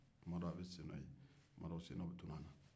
tu ma dɔw a be sennɔ ye tuma dɔw sennɔ bɛ tunu a la